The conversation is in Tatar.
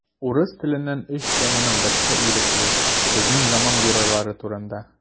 Урыс теленнән өч теманың берсе ирекле: безнең заман геройлары турында.